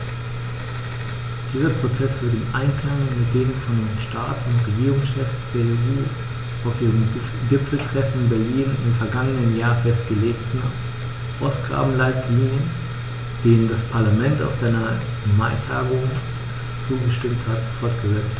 Dieser Prozess wird im Einklang mit den von den Staats- und Regierungschefs der EU auf ihrem Gipfeltreffen in Berlin im vergangenen Jahr festgelegten Ausgabenleitlinien, denen das Parlament auf seiner Maitagung zugestimmt hat, fortgesetzt.